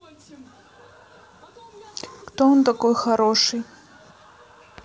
кто он такой хороший